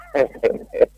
Nse